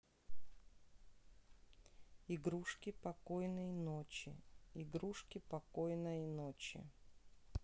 игрушки покойный ночи игрушки покойной ночи